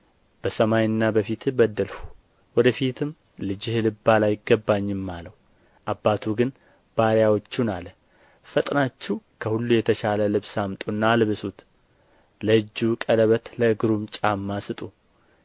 በሰማይና በፊትህ በደልሁ ወደ ፊትም ልጅህ ልባል አይገባኝም አለው አባቱ ግን ባሪያዎቹን አለ ፈጥናችሁ ከሁሉ የተሻለ ልብስ አምጡና አልብሱት ለእጁ ቀለበት ለእግሩም ጫማ ስጡ